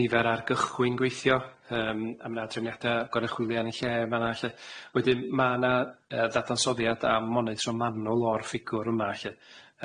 nifer ar gychwyn gweithio yym a ma' na trefniade goruchwylio yn y lle ma' na lly wedyn ma' na yy ddadansoddiad am monitro manwl o'r ffigwr yma lly,